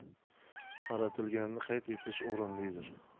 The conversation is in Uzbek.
qaratilganini qayd etish o'rinlidir